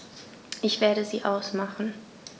Ich werde sie ausmachen.